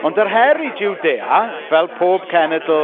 Ond yr her i Jwdea, fel pob cenedl